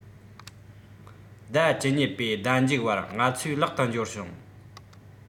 ཟླ ༡༢ པའི ཟླ མཇུག བར ང ཚོས ལག ཏུ འབྱོར བྱུང